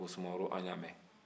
ko sumaworo an y'a mɛ